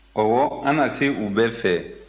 ɔwɔ an na se u bɛɛ fɛ